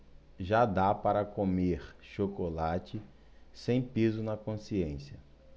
já dá para comer chocolate sem peso na consciência